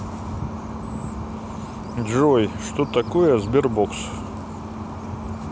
джой что такое sberbox